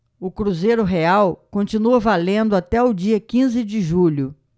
o cruzeiro real continua valendo até o dia quinze de julho